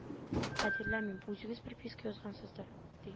Хәтерләмим үзегез приписка ясагансыздыр